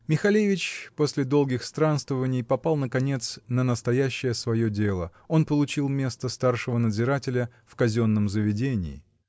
Михалевич, после долгих странствований, попал, наконец, на настоящее свое дело: он получил место старшего надзирателя в казенном заведении.